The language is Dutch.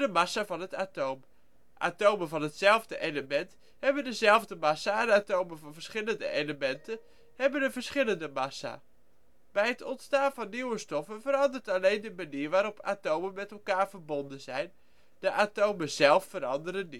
massa van het atoom; atomen van hetzelfde element hebben dezelfde massa en atomen van verschillende elementen hebben een verschillende massa. Bij het ontstaan van nieuwe stoffen verandert alleen de manier waarop atomen met elkaar verbonden zijn; de atomen zelf veranderen